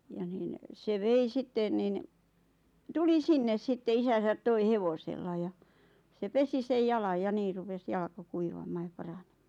ja niin se vei sitten niin tuli sinne sitten isänsä toi hevosella ja se pesi sen jalan ja niin rupesi jalka kuivamaan ja paranemaan